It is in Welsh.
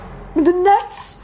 Mynd yn nyts!